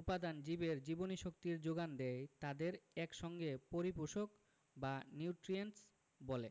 উপাদান জীবের জীবনীশক্তির যোগান দেয় তাদের এক সঙ্গে পরিপোষক বা নিউট্রিয়েন্টস বলে